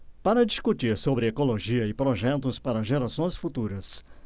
para discutir sobre ecologia e projetos para gerações futuras